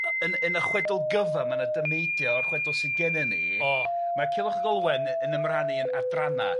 Yn yn y chwedl gyfa, ma' 'na dymeidie o'r chwedl sy gennyn n. O. ... ma' Culhwch ad Olwen yy yn ymrannu yn adranna.